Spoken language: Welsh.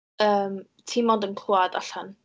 Yym, ti mond yn clywad allan...